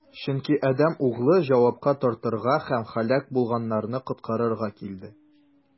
Чөнки Адәм Углы җавапка тартырга һәм һәлак булганнарны коткарырга килде.